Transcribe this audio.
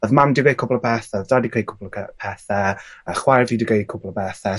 Odd mam 'di gweud cwpl o bethe odd dad i'd gweud cwpl o ce- pethe a chwaer fi 'di gweud cwpl o bethe